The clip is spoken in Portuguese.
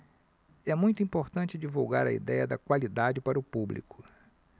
é muito importante divulgar a idéia da qualidade para o público